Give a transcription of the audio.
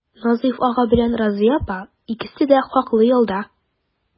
Назыйф ага белән Разыя апа икесе дә хаклы ялда.